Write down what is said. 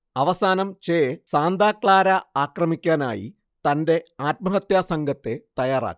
അവസാനം Che Santa Clara ആക്രമിക്കാനായി തന്റെ ആത്മഹത്യാ സംഘത്തെ തയ്യാറാക്കി